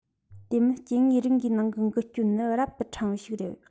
དེ མིན སྐྱེ དངོས རིགས འགའི ནང གི འགུལ སྐྱོད ནི རབ ཏུ ཕྲན བུ ཞིག རེད